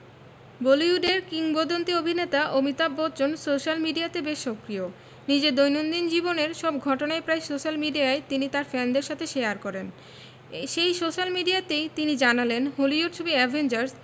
বলিউডের কিংবদন্তী অভিনেতা অমিতাভ বচ্চন সোশ্যাল মিডিয়াতে বেশ সক্রিয় নিজের দৈনন্দিন জীবনের সব ঘটনাই প্রায় সোশ্যাল মিডিয়ায় তিনি তার ফ্যানদের সঙ্গে শেয়ার করেন সেই সোশ্যাল মিডিয়াতেই তিনি জানালেন হলিউড ছবি অ্যাভেঞ্জার্স